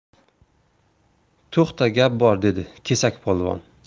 to'xta gap bor dedi kesakpolvon